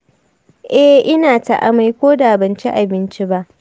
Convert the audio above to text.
eh, ina ta amai ko da ban ci abinci ba